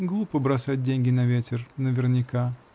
Глупо бросать деньги на ветер -- наверняка.